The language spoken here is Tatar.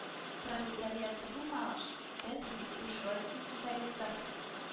Пролетариаты булмагач, бәлки, буржуазиясе дә юктыр